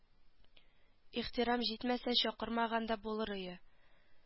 Ихтирам җитмәсә чакырмаган да булырые